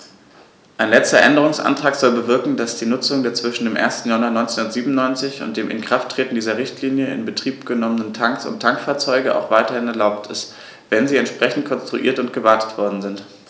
Ein letzter Änderungsantrag soll bewirken, dass die Nutzung der zwischen dem 1. Januar 1997 und dem Inkrafttreten dieser Richtlinie in Betrieb genommenen Tanks und Tankfahrzeuge auch weiterhin erlaubt ist, wenn sie entsprechend konstruiert und gewartet worden sind.